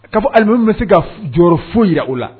Kaa ami bɛ se ka jɔyɔrɔ foyi jira u la